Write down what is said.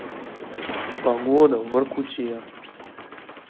погода в воркуте